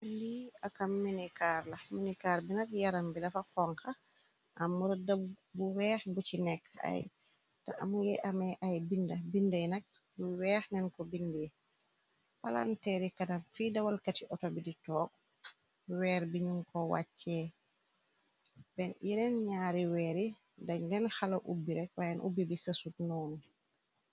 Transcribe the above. akam minikar la minikar binak yaram bi dafa konk am moradda bu weex bu ci nekk ay te am ngi amee ay dbindenak lu weex neen ko bind yi .palanteeri kadam fi dawalkati ato bi di toog weer biñu ko wàccee b yeneen ñaari weer yi dañ leen xala ubbi rek waayeen ubbi bi sësut nooni.